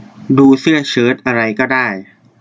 ดูเสื้อเชิร์ตอะไรก็ได้